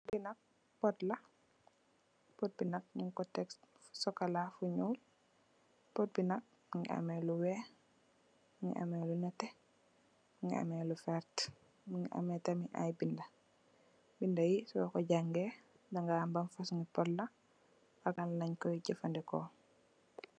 Lee nak pote la pote be nak nugku tek fu sukola fu nuul pote be nak muge ameh lu weex muge ameh lu neteh muge ameh lu verte muge ameh tamin aye beda beda ye soku jange daga ham ban fosunge pote la ak lanlenkoye jufaneku.